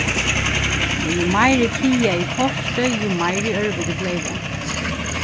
men jú meiri eg kagaði í kortið jú meiri í ørviti bleiv eg